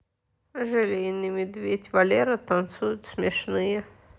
желейный медведь валера танцует смешные